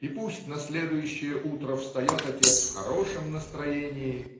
И пусть на следующее утро встает отец в хорошем настроении